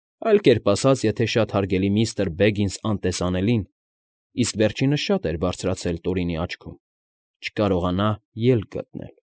Այլ կերպ ասած, եթե շատ հարգելի միստր Բեգինս անտեսանելին (իսկ վերջինս շատ էր բարձրացել Տորինի աչքում) չկարողանա ելք գտնել։